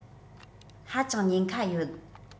ཧ ཅང ཉེན ཁ ཡོད